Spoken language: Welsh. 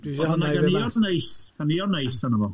Ganeuon neis, ganeuon neis arna fo.